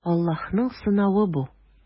Аллаһның сынавы бу.